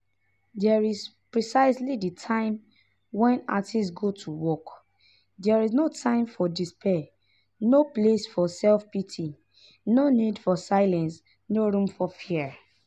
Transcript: This is precisely the time when artists go to work. There is no time for despair, no place for self-pity, no need for silence, no room for fear.